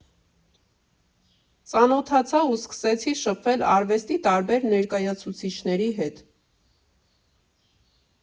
Ծանոթացա ու սկսեցի շփվել արվեստի տարբեր ներկայացուցիչների հետ։